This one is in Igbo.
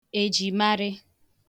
èjìmarị